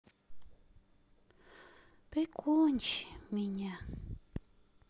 прикончи меня